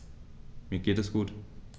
Mir geht es gut.